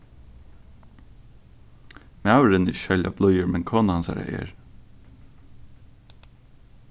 maðurin er ikki serliga blíður men kona hansara er